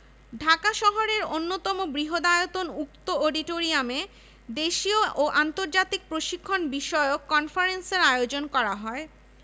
ঢাকা শহরের অন্যতম বৃহদায়তন উক্ত অডিটোরিয়ামে দেশীয় ও আন্তর্জাতিক প্রশিক্ষণ বিষয়ক কনফারেন্সের আয়োজন করা হয়